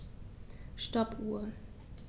Stoppuhr.